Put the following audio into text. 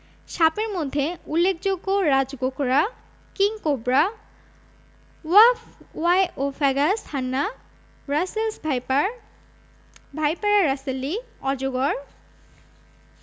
সাপের মধ্যে উল্লেখযোগ্য রাজগোখরা king cobra Ophiophagus hannah Russell's viper Vipera russelii অজগর